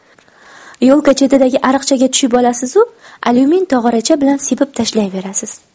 yo'lka chetidagi ariqchaga tushib olasizu alyumin tog'oracha bilan sepib tashlayverasiz